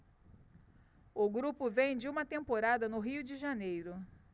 o grupo vem de uma temporada no rio de janeiro